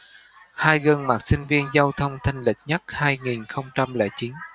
hai gương mặt sinh viên giao thông thanh lịch nhất hai nghìn không trăm lẻ chín